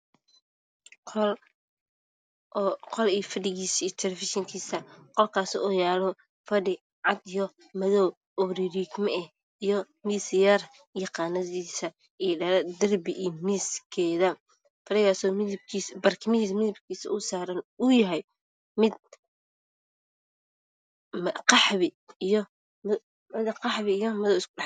Waa qol fadhigiisa, tilifishinkiisa, qolkaas oo yaalo fadhi cadaan iyo madow ah, miis yar iyo qaanadihiisa, iyo dhalada darbiga iyo miiskeeda, fadhiga barkimaha saaran kalarkoodu uu yahay qaxwi iyo madow.